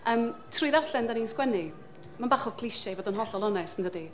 yym trwy ddarllen, dan ni'n sgwennu. Ma'n bach o cliché i fod yn hollol onest yn dydi,